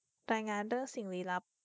รายงานเรื่องสิ่งลี้ลับ